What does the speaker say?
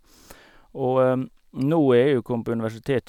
Og nå er jeg jo kommet på universitetet.